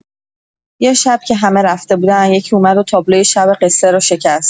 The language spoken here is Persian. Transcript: یه شب که همه رفته بودن، یکی اومد و تابلوی شب قصه رو شکست.